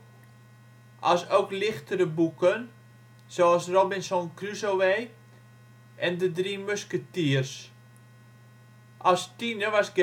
als ook " lichtere " boeken zoals Robinson Crusoë en De drie musketiers. Als tiener was